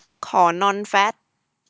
ขอนอนแฟต